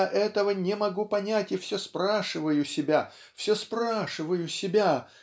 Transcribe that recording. Я этого не могу понять и все спрашиваю себя, все спрашиваю себя